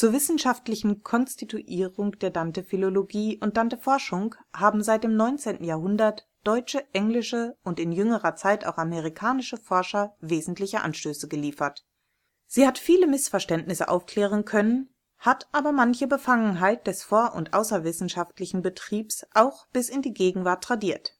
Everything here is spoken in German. wissenschaftlichen Konstituierung der Dantephilologie und Danteforschung haben seit dem 19. Jahrhundert deutsche, englische und in jüngerer Zeit auch amerikanische Forscher wesentliche Anstöße geliefert. Sie hat viele Missverständnisse aufklären können, hat aber manche Befangenheit des vor - und außerwissenschaftlichen Betriebs auch bis in die Gegenwart tradiert